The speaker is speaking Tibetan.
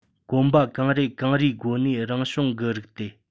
གོམ པ གང རེ གང རེའི སྒོ ནས རང བྱུང གི རིགས ཏེ